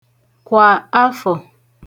kwà afọ̀